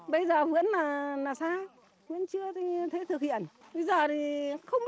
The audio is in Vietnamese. bây giờ vẫn là là sai vẫn chưa thấy thực hiện bây giờ thì không